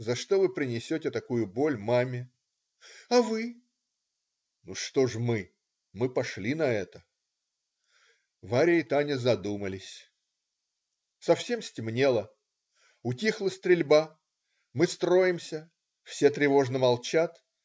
За что вы принесете такую боль маме?" - "А вы?" - "Ну что же мы, мы пошли на это". Варя и Таня задумались. Совсем стемнело. Утихла стрельба. Мы строимся. Все тревожно молчат.